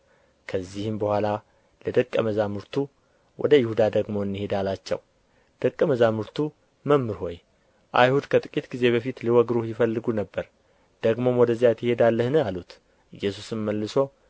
ከዚህም በኋላ ለደቀ መዛሙርቱ ወደ ይሁዳ ደግሞ እንሂድ አላቸው ደቀ መዛሙርቱ መምህር ሆይ አይሁድ ከጥቂት ጊዜ በፊት ሊወግሩህ ይፈልጉ ነበር ደግሞም ወደዚያ ትሄዳለህን አሉት ኢየሱስም መልሶ